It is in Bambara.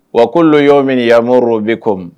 Wa' y' min ya o bɛko